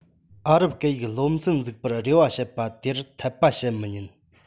ཨ རབ སྐད ཡིག སློབ ཚན འཛུགས པར རེ བ བྱེད པ དེར འཐད པ བྱེད མི ཉན